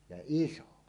ja iso